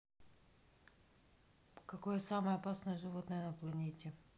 какое самое опасное животное на планете